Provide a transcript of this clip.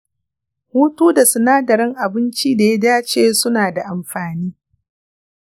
hutu da sinadarin abinci da ya dace su na da amfani